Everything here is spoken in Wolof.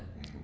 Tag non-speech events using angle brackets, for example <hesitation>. <hesitation> <hesitation>